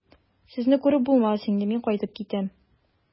Сезне күреп булмас инде, мин кайтып китәм.